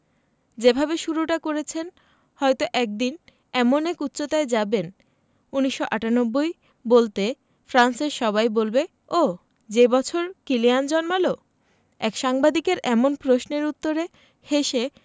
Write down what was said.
যেভাবে শুরুটা করেছেন হয়তো একদিন এমন এক উচ্চতায় যাবেন ১৯৯৮ বলতে ফ্রান্সের সবাই বলবে ওহ্ যে বছর কিলিয়ান জন্মাল এক সাংবাদিকের এমন প্রশ্নের উত্তরে হেসে